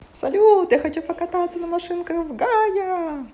салют я хочу покататься на машинках в gaya